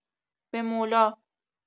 بمولا